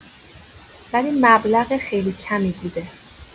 ولی مبلغ خیلی کمی بوده